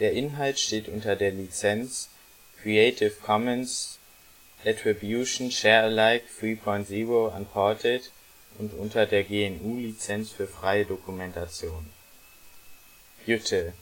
Inhalt steht unter der Lizenz Creative Commons Attribution Share Alike 3 Punkt 0 Unported und unter der GNU Lizenz für freie Dokumentation. Jytte